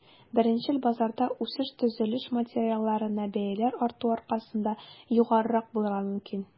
Беренчел базарда үсеш төзелеш материалларына бәяләр арту аркасында югарырак булырга мөмкин.